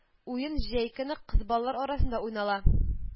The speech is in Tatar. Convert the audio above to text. Уен җәй көне кыз балалар арасында уйнала